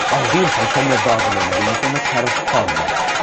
o fi myn' i troi'n llenyddol fan 'yn a fi myn' i sôn am y cerdd Hon